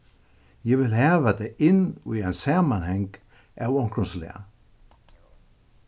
eg vil hava tað inn í ein samanhang av onkrum slag